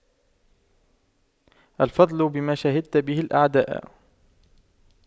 الفضل ما شهدت به الأعداء